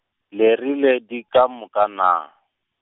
le rile di ka moka naa?